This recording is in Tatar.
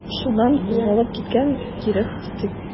Шуннан кузгалып киткәч, кереп киттем.